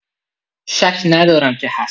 شک ندارم که هست.